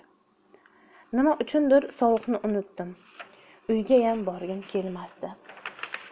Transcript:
nima uchundir sovuqni unutdim uygayam borgim kelmas edi